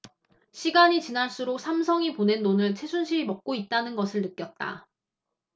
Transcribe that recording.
시간이 지날수록 삼성이 보낸 돈을 최순실이 먹고 있다는 것을 느꼈다